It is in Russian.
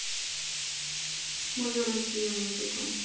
моя россия музыка